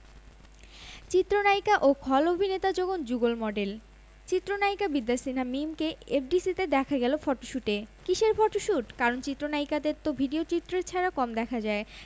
কাছে গিয়ে বিষয়টি স্পষ্ট হলো ঈদকে কেন্দ্র করে বিভিন্ন ফ্যাশন হাউজ নিজেদের সজ্জিত করছে আর একটি ফ্যাশন হাউজের মডেল হিসেবে এফডিসি তে ফটোশ্যুটে অংশ নেন বিদ্যা সিনহা মীম